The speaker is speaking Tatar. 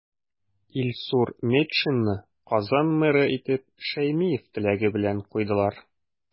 Илсур Метшинны Казан мэры итеп Шәймиев теләге белән куйдылар.